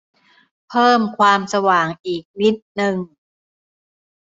เพิ่มความสว่างอีกนิดนึง